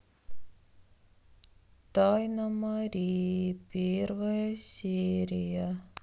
тайна марии первая серия